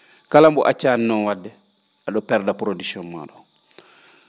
kala mbo accaani noon wa?de a?o perda production maa oo